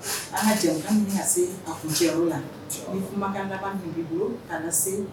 An ka se a kun cɛ la ni kuma bolo ka se